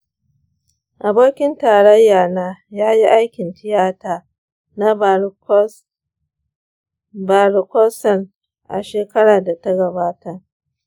abokin tarayya na ya yi aikin tiyata na varicocele a shekarar da ta gabata.